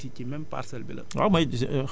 ça veut dire que ci ci même parcelle bi la